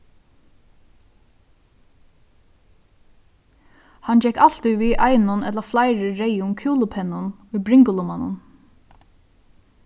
hann gekk altíð við einum ella fleiri reyðum kúlupennum í bringulummanum